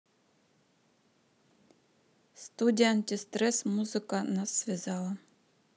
студия антистресс музыка нас связала